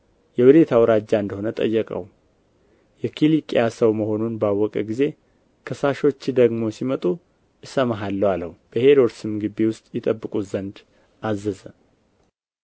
የወዴት አውራጃ እንደ ሆነ ጠየቀው የኪልቅያ ሰው መሆኑንም ባወቀ ጊዜ ከሳሾችህ ደግሞ ሲመጡ እሰማሃለሁ አለው በሄሮድስም ግቢ ውስጥ ይጠብቁት ዘንድ አዘዘ